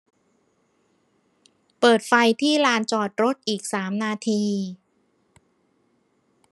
เปิดไฟที่ลานจอดรถอีกสามนาที